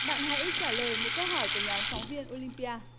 bạn hãy trả lời một câu hỏi của nhóm phóng viên ô lim pi a